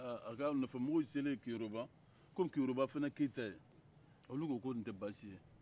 aaa a ka nɔfɛmɔgɔw selen keyoroba kɔmi keyoroba fana ye keyita ye olu ko ko nin tɛ baasi ye